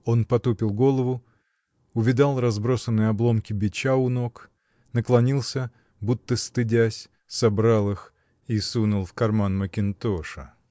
Он потупил голову, увидал разбросанные обломки бича у ног, наклонился, будто стыдясь, собрал их и сунул в карман мекинтоша.